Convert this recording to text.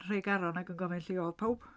Nhregaron ac yn gofyn lle oedd pawb!